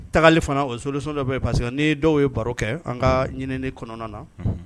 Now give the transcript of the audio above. Tagali fana o solution dɔ bɛ yen parce que ni dɔw ye baro kɛ an ka ɲinini kɔnɔna na. Unhun.